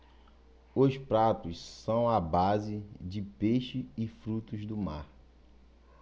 os pratos são à base de peixe e frutos do mar